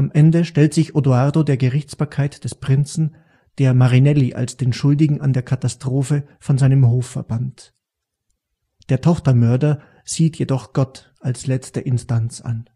Ende stellt sich Odoardo der Gerichtsbarkeit des Prinzen, der Marinelli als den Schuldigen an der Katastrophe von seinem Hof verbannt. Der Tochtermörder sieht jedoch Gott als letzte Instanz an